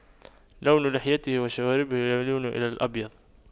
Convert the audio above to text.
لون لحيته وشواربه يلون إلى الأبيض